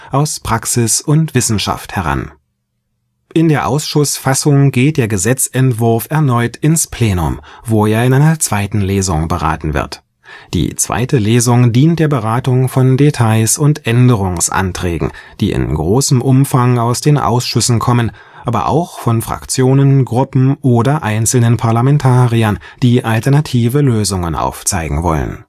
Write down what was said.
aus Praxis und Wissenschaft heran. In der Ausschussfassung geht der Gesetzentwurf erneut ins Plenum, wo er in einer „ zweiten Lesung “beraten wird. Die „ zweite Lesung “dient der Beratung von Details und Änderungsanträgen, die in großem Umfang aus den Ausschüssen kommen, aber auch von Fraktionen, Gruppen oder einzelnen Parlamentariern, die alternative Lösungen aufzeigen wollen